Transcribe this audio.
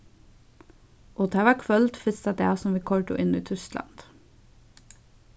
og tað varð kvøld fyrsta dag sum vit koyrdu inn í týskland